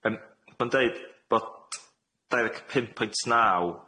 Yym ma'n deud bod dau ddeg pum pwynt naw